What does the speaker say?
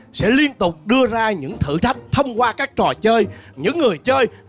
sẽ liên tục đưa ra những thử thách thông qua các trò chơi những người chơi